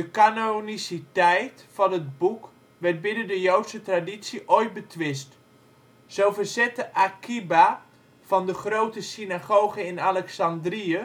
canoniciteit van het boek werd binnen de joodse traditie ooit betwist. Zo verzette Akiba van de Grote Synagoge in Alexandrië